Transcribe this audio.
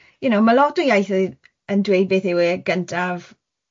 you know, ma lot o ieithoedd yn dweud beth yw e gyntaf